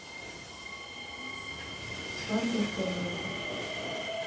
свадьба в дербенте